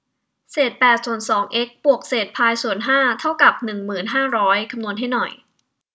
เศษแปดส่วนสองเอ็กซ์บวกเศษพายส่วนห้าเท่ากับหนึ่งหมื่นห้าร้อยคำนวณให้หน่อย